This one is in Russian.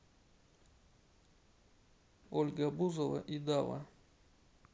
ольга бузова и дава